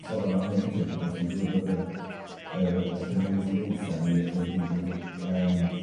###ffor o ran wneud hynny achos dwi siŵr bod yr yr yy be' mae wedi ddeutha ni yn haeddi yym